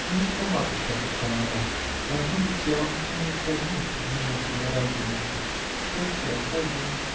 -- Ничего, матушка, -- отвечала она, -- должно быть, я вам чем-нибудь противна, что вы меня со двора гоните. Что ж, я пойду.